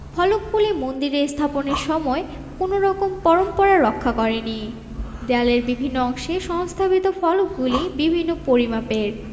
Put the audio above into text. ফলকগুলি মন্দিরে স্থাপনের সময় কোন রকম পরম্পরা রক্ষা করেনি দেয়ালের বিভিন্ন অংশে সংস্থাপিত ফলকগুলি বিভিন্ন পরিমাপের